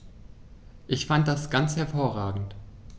Ich fand das ganz hervorragend.